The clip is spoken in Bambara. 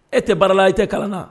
E tɛ baarala e tɛ kalan na